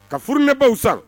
Ka fourneau baw san.